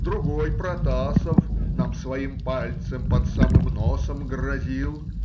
другой, Протасов, нам своим пальцем под самым носом грозил